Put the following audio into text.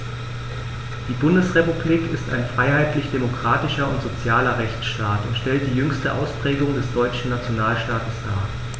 Die Bundesrepublik ist ein freiheitlich-demokratischer und sozialer Rechtsstaat und stellt die jüngste Ausprägung des deutschen Nationalstaates dar.